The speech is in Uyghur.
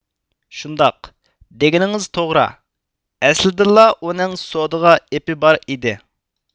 شۇنداق دېگىنىڭىز توغرا ئەسلىدىنلا ئۇنىڭ سودىغا ئېپى بار ئىدى